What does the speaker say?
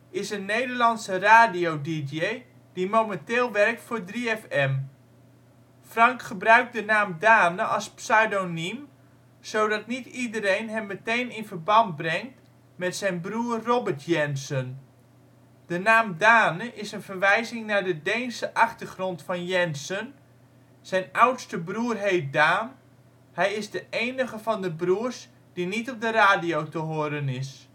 is een Nederlandse radio-dj die momenteel werkt voor 3FM. Frank gebruikt de naam Dane als pseudoniem zodat niet iedereen hem meteen in verband brengt met zijn broer Robert Jensen. De naam Dane is een verwijzing naar de Deense achtergrond van Jensen. Zijn oudste broer heet Daan, hij is de enige van de broers die niet op de radio te horen is